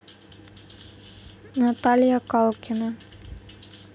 наталья калкина